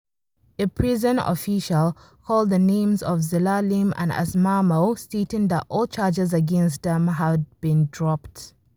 A prison official called the names of Zelalem and Asmamaw, stating that all charges against them had been dropped.